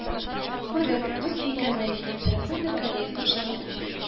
Күреп, үз фикерен әйтте: «дорогой миргалиев, ну что